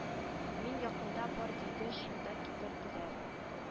Мин якында бар дигәч шунда китерделәр